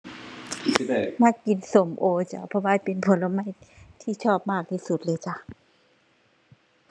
มักกินส้มโอจ้ะ เพราะว่าเป็นผลไม้ที่ชอบมากที่สุดเลยจ้ะ